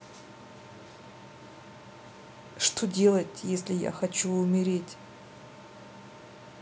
что делать если я хочу умереть